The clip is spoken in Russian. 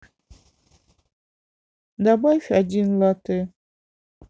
добавь один латте